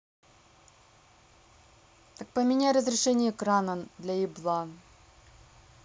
так поменяй разрешение экрана для еблан